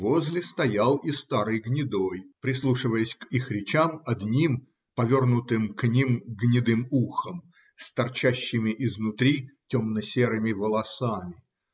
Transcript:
Возле стоял и старый гнедой, прислушиваясь к их речам одним, повернутым к ним, гнедым ухом с торчащими изнутри темно-серыми волосами